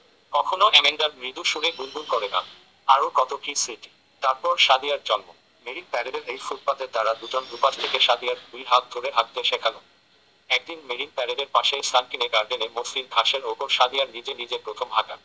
কখনো এমেন্ডার মৃদু সুরে গুনগুন করে গান আরও কত কী স্মৃতি তারপর সাদিয়ার জন্ম মেরিন প্যারেডের এই ফুটপাতে তারা দুজন দুপাশ থেকে সাদিয়ার দুই হাত ধরে হাঁটতে শেখানো একদিন মেরিন প্যারেডের পাশেই সানকিনে গার্ডেনে মসৃণ ঘাসের ওপর সাদিয়ার নিজে নিজে প্রথম হাঁটা